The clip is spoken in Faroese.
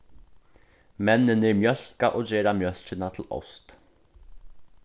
menninir mjólka og gera mjólkina til ost